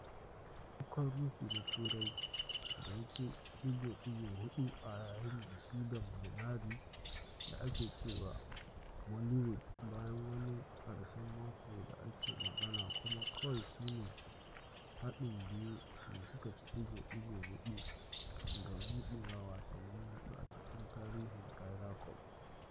Fleetwood shi ne farkon rookie na Turai da ya ci ɗigo-ɗigo huɗu a yayin da shi da Molinari, da aka cewa "Molliwood" bayan wani ƙarshen mako da ake magana kuma kawai su ne haɗin biyu da suka ci ɗigo-ɗigo hudu daga budewa wasanninsu huɗu a cikin tarihin Ryder Cup.